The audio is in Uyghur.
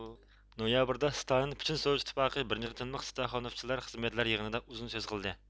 نويابىردا ستالىن پۈتۈن سوۋېت ئىتتىپاقى بىرىنچى قېتىملىق ستاخانوفىچلار خىزمەتچىلەر يىغىنىدا ئۇزۇن سۆز قىلدى